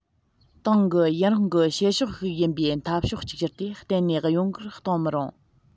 ཏང གི ཡུན རིང གི བྱེད ཕྱོགས ཤིག ཡིན པའི འཐབ ཕྱོགས གཅིག གྱུར དེ གཏན ནས གཡོ འགུལ གཏོང མི རུང